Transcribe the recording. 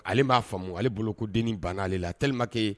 Ale b'a faamumu ale boloko koden banale la telilimakɛ ye